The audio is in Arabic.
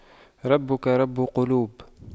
ربك رب قلوب